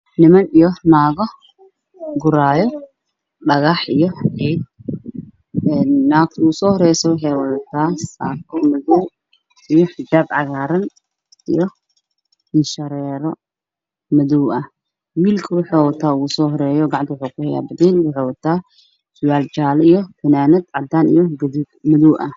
meel uu ka socdo dhismo waxaa ka shaqeynaya niman iyo naago waxa ay wataan zakahelo